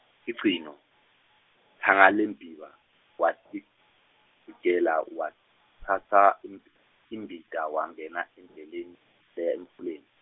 sigcino, Tsangalembiba, watidzikela watsatsa imbit- imbita wangena endleleni, leya emfuleni.